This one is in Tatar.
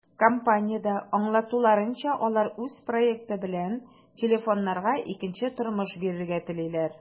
Компаниядә аңлатуларынча, алар үз проекты белән телефоннарга икенче тормыш бирергә телиләр.